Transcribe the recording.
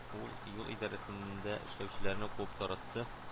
Ул юл идарәсендә эшләүчеләрне куып таратты